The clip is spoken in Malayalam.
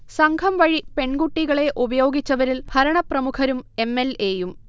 സംഘം വഴി പെൺകുട്ടികളെ ഉപയോഗിച്ചവരിൽ ഭരണപ്രമുഖരും എം. എൽ. എ. യും